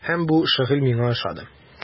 Һәм бу шөгыль миңа ошады.